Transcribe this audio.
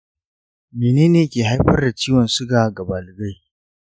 mene ne ke haifar da ciwon suga ga baligai?